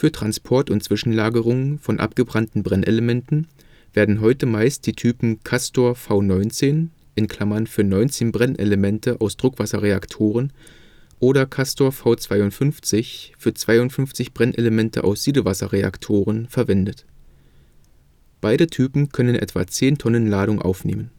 Transport und Zwischenlagerung von abgebrannten Brennelementen werden heute meist die Typen CASTOR V/19 (für 19 Brennelemente aus Druckwasserreaktoren) oder CASTOR V/52 (für 52 Brennelemente aus Siedewasserreaktoren) verwendet. Beide Typen können etwa 10 Tonnen Ladung aufnehmen